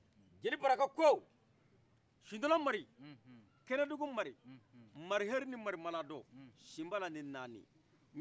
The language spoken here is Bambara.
jeli baraka ko sudonna mari kɛnɛdugu mari mari heli ni mari maladɔ sinbala ni nani